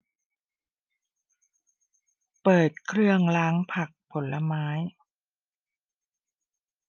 เปิดเครื่องล้างผักผลไม้